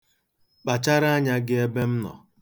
Kpachara anya gị ebe m nọ.